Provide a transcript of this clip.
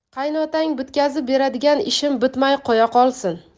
qaynotang bitkazib beradigan ishim bitmay qo'ya qolsin